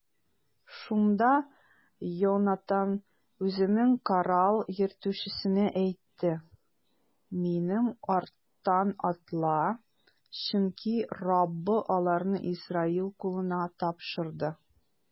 Шунда Йонатан үзенең корал йөртүчесенә әйтте: минем арттан атла, чөнки Раббы аларны Исраил кулына тапшырды.